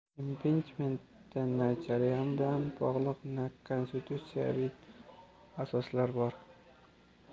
impichmentda na jarayon bilan bog'liq na konstitutsiyaviy asoslar bor